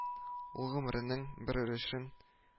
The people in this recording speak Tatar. Ул гомеренең бер өлешен